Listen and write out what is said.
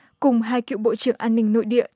cùng hai cựu bộ trưởng an ninh nội địa